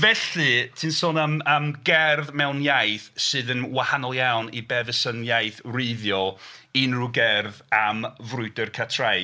Felly ti'n sôn am am gerdd mewn iaith sydd yn wahanol iawn i be fysai'n iaith wreiddiol unrhyw gerdd am frwydr Catraeth.